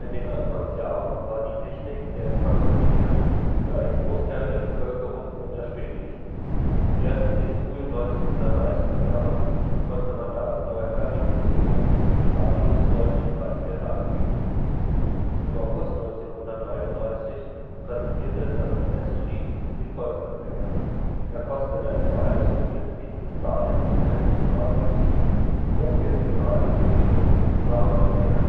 den Anfangsjahren war die Technik der Empfangsgeräte für einen Großteil der Bevölkerung unerschwinglich. Erst in den frühen 1930er Jahren konnte man dank neuer Fertigungsmethoden Radios deutlich preiswerter anbieten. Im August 1933 präsentierte das NS-Regime den Volksempfänger; er kostete etwa halb so viel wie die bis dahin erhältlichen Radios. Hochwertige Radiogeräte waren mit einer